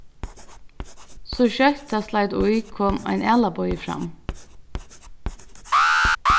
so skjótt tað sleit í kom ein ælabogi fram